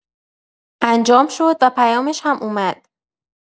انجام شد و پیامش هم اومد.